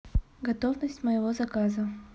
готовность моего заказа